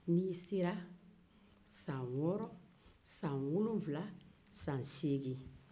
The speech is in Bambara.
n'i sela san wɔɔrɔ san wolonwula san segin